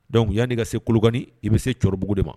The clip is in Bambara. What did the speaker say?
Dɔnku y yana nei ka se kugi i bɛ se cɛkɔrɔbabugu de ma